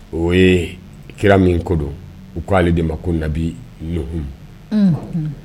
O ye kira min ko don u ko ale de ma ko nabi numu